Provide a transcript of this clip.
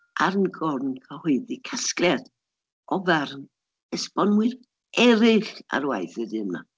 Ar n- gorn cyhoeddi casgliad oddi ar esbonwyr eraill ar waith y dyn 'ma.